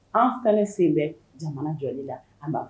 An kɛlɛ sen bɛ jamana jɔ la an b'